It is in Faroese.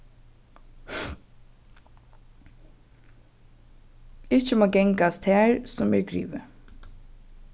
ikki má gangast har sum er grivið